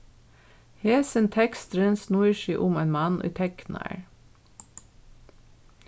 hesin teksturin snýr seg um ein mann ið teknar